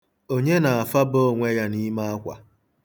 Onye na-afaba onwe ya n'ime akwa?